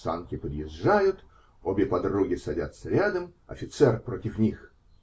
Санки подъезжают, обе подруги садятся рядом, офицер против них.